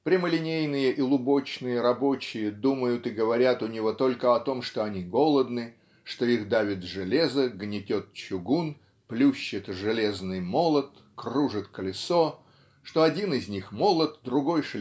Прямолинейные и лубочные рабочие думают и говорят у него только о том что они голодны что их давит железо гнетет чугун плющит железный молот кружит колесо что один из них молот, другой